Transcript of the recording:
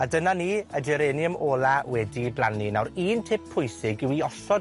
A dyna ni, y Geranium ola wedi 'i blannu. Naw'r un tip pwysig yw i osod